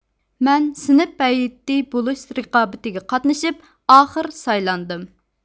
مەن سىنىپ ھەيئىتى بولۇش رىقابىتىگە قاتىنىشپ ئاخىر سايلاندىم